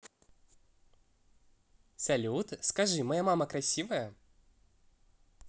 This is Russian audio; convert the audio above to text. салют скажи моя мама красивая